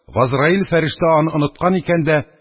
Газраил фәрештә аны оныткан икән дә,